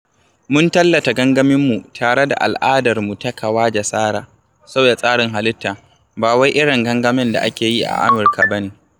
Mun tallata gangaminmu tare da al'adarmu ta KhawajaSara (sauya tsarin halitta) ba wai irin gangamin da ake yi a Amurka ba ne.